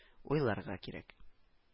Уйларга кирәк... —